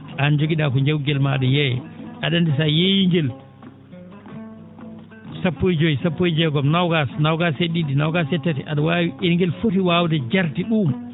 aan njogi?aa ko jawgel maa a?a yeeya a?a anndi so a yeehii ngel sappo e joyi sappo e jeegom noàgaas noogaas e ?i?i noogaas e tati a?a waawi e ngel foti waawde jarde ?um